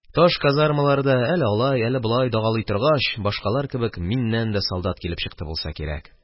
Таш казармаларда әле алай, әле болай дагалый торгач, башкалар кебек, миннән дә солдат килеп чыкты булса кирәк